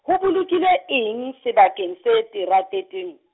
ho bolokilwe eng, sebakeng se teratetsweng?